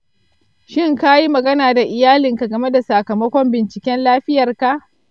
shin ka yi magana da iyalinka game da sakamakon binciken lafiyarka?